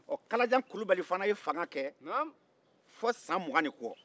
kalajan kulubali fana ye fanga kɛ fo san mugen ni kɔ